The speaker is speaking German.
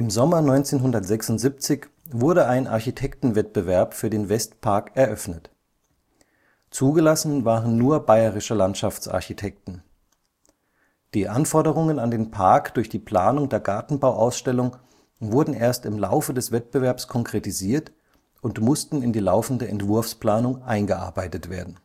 Sommer 1976 wurde ein Architektenwettbewerb für den Westpark eröffnet. Zugelassen waren nur bayerische Landschaftsarchitekten. Die Anforderungen an den Park durch die Planung der Gartenbauausstellung wurden erst im Laufe des Wettbewerbs konkretisiert und mussten in die laufende Entwurfsplanung eingearbeitet werden